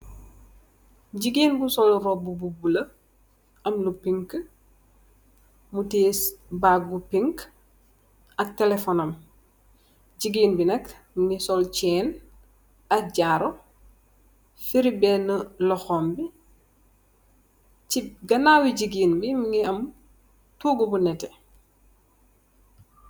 Jigeen bu sol robeh bu bulo , emmeh pink , buuh teeh bag bu pink ak telephone naam , jigeen bi naak mukeh sol jain ak jaruh, fireh benah lohom bi , si ganaw wi jigeen bi mugeh emm toguh bu neteh.